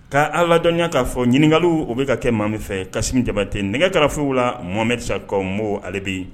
K' ala ladɔnya'a fɔ ɲininkakali o bɛ ka kɛ maa min fɛ kasi jabate nɛgɛ kɛrafolow la momedsa kɔ mɔgɔw ale bɛ yen